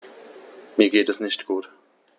Mir geht es nicht gut.